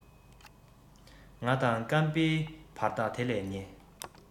ང དང བརྐམ པའི བར ཐག དེ ལས ཉེ